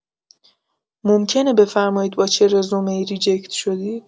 ممکنه بفرمایید با چه رزومه‌ای ریجکت شدید؟